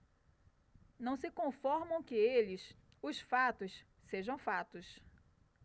não se conformam que eles os fatos sejam fatos